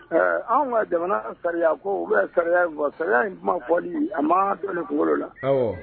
An ka jamana sariya ko u bɛ sariya kuwa sariya in kuma fɔli a ma dɔɔnin kunkolo la